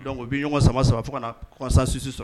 U bɛ ɲɔn ɲɔgɔn sama saba fo ka nasansi sɔrɔ